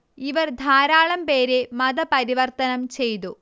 ഇവർ ധാരാളം പേരെ മത പരിവർത്തനം ചെയ്തു